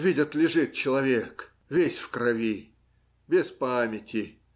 Видят: лежит человек весь в крови, без памяти